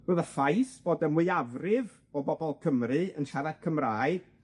Ro'dd y ffaith bod y mwyafrif o bobol Cymru yn siarad Cymraeg